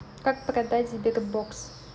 как продать sberbox